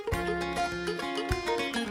San